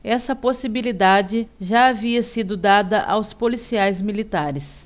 essa possibilidade já havia sido dada aos policiais militares